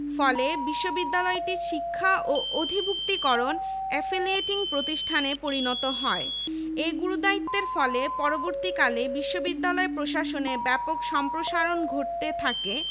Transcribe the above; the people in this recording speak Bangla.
এ প্রতিষ্ঠান প্রাচ্যের অক্সফোর্ড হিসেবে খ্যাতি লাভ করে অবহেলিত পূর্ববাংলার বিভিন্ন কর্মক্ষেত্রে নতুন প্রজন্মের নেতৃত্ব সৃষ্টিতে ঢাকা বিশ্ববিদ্যালয়ের অবদান উল্লেখযোগ্য